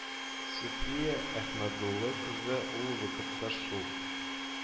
Суфия Әхмәдулла кызы ул вакытта шул